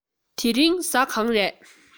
དེ རིང གཟའ གང རས